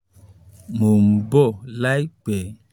Mò ń bò láìpẹ́.